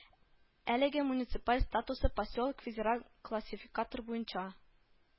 Әлегә муниципаль статусы поселок федераль классификатор буенча